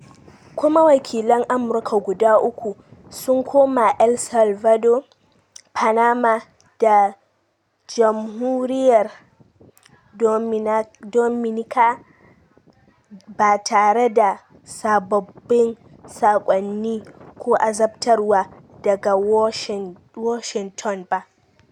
Kuma wakilan Amurka guda uku sun koma El Salvador, Panama da Jamhuriyar Dominica ba tare da sababbin saƙonni ko azabtarwa daga Washington ba.